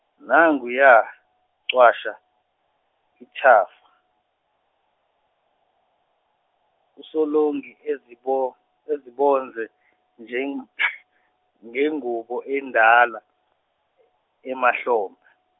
nanguya cwasha, ithafa, uSolongi ezibo- ezimbonze njeng- , ngengubo endala, emahlombe.